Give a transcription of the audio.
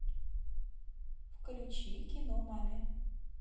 включи кино маме